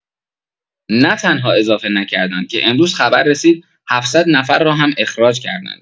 نه‌تنها اضافه نکردند که امروز خبر رسید ۷۰۰ نفر را هم اخراج کردند.